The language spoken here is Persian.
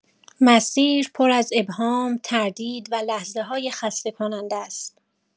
مسیر پر از ابهام، تردید و لحظه‌های خسته‌کننده است.